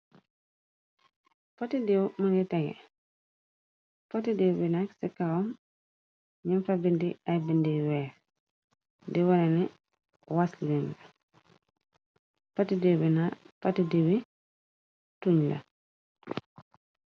Foti diiw mënga tege, foti diiw bi nak, ci kawam ñim fa bindi ay bindi weef, di wala ni waslin, di wi tuñ la.